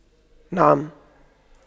نعم